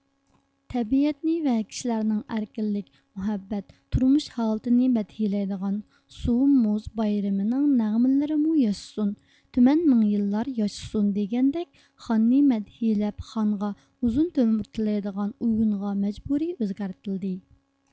تەبىئەتنى ۋە كىشىلەرنىڭ ئەركىنلىك مۇھەببەت تۇرمۇش ھالىتىنى مەدھىيلەيدىغان سۇ مۇز بايرىمىنىڭ نەغمىلىرىمۇ ياشىسۇن تۈمەن مىڭ يىللار ياشىسۇن دېگەندەك خاننى مەدھىيلەپ خانغا ئۇزۇن ئۆمۈر تىلەيدىغان ئۇيۇنغا مەجبۇرى ئۆزگەرتىلدى